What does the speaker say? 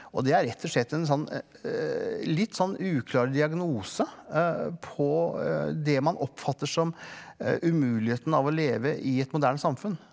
og det er rett og slett en sånn litt sånn uklar diagnose på det man oppfatter som umuligheten av å leve i et moderne samfunn.